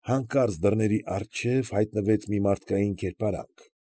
Հանկարծ դռների առջև հայտնվեց մի մարդկային կերպարանք։